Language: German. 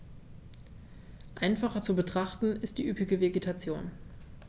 Einfacher zu betrachten ist die üppige Vegetation.